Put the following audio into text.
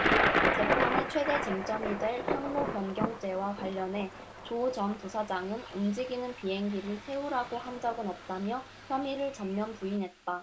재판의 최대 쟁점이 될 항로변경죄와 관련해 조 전 부사장은 움직이는 비행기를 세우라고 한 적은 없다며 혐의를 전면 부인했다